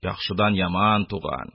Яхшыдан яман туган